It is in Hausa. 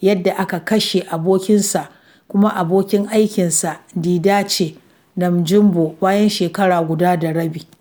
yadda aka kashe abokinsa kuma abokin aikinsa, Didace Namujimbo, bayan shekara guda da rabi.